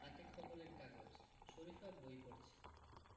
হাতে খবরের কাগজ শরিফা বই পড়ছে